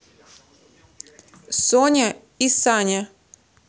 соня и саня